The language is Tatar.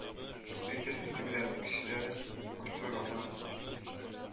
Әйтерсең тегеләрнең көчләрен арттыралар